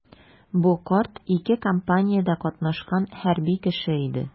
Бу карт ике кампаниядә катнашкан хәрби кеше иде.